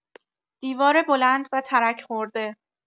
دیوار بلند و ترک‌خورده